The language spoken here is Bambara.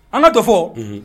An ka dɔ fɔ, unhun.